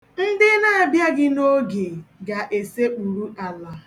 Ndị na-abịaghị n'oge ga-esekpuru ala